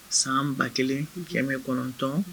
San 1900